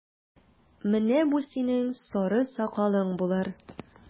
Менә бу синең сары сакалың булыр!